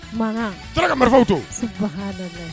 Tora ka marifaw to